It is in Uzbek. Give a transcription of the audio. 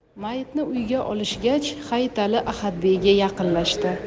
mayitni uyga olishgach hayitali ahadbeyga yaqinlashdi